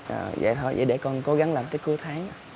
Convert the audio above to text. dạ dậy thôi dậy để con cố gắng làm tới cuối tháng